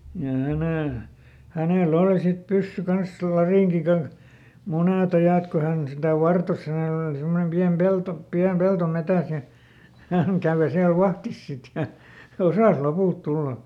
ja hänen hänellä oli sitten pyssy kanssa latinki kanssa monet ajat kun hän sitä vartosi hänellä oli semmoinen pieni pelto pieni pelto metsässä ja hän kävi siellä vahdissa sitten ja osasi lopulta tulla